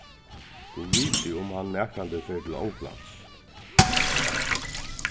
gud viti um hann nakrantíð fer til onglands